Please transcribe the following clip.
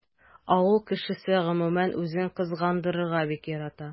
Авыл кешесе гомумән үзен кызгандырырга бик ярата.